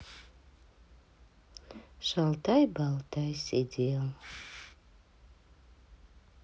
шалтай болтай сидел